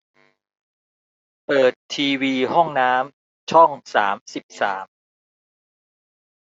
เปิดทีวีห้องน้ำช่องสามสิบสาม